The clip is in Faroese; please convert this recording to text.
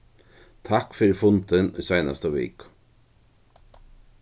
takk fyri fundin í seinastu viku